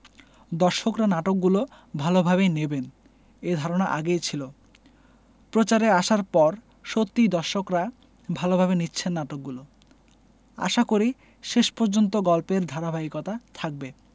দর্শকরা নাটকগুলো ভালোভাবেই নেবেন এ ধারণা আগেই ছিল প্রচারে আসার পর সত্যিই দর্শকরা ভালোভাবে নিচ্ছেন নাটকগুলো আশাকরি শেষ পর্যন্ত গল্পের ধারাবাহিকতা থাকবে